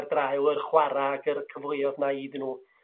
ar drail wel chwara' ag yr cyfleoedd 'ma iddyn nhw